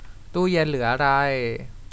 ตู้เย็นเหลืออะไร